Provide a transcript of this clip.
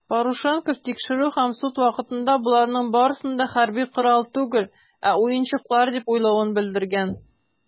Парушенков тикшерү һәм суд вакытында, боларның барысын да хәрби корал түгел, ә уенчыклар дип уйлавын белдергән.